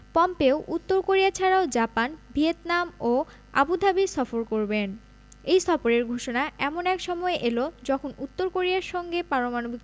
Pompeo উত্তর Korea ছাড়াও Japan Vietnam ও আবুধাবি সফর করবেন এই সফরের ঘোষণা এমন এক সময়ে এল যখন উত্তর কোরিয়ার সঙ্গে পারমাণবিক